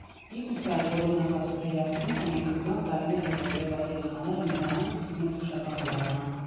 ֊ Միգուցե այս բոլոր նախագծերի արդյունքը մենք կզգանք տարիներ հետո, երբ այս երեխաները մեծանան, իսկ մենք թոշակառու դառնանք։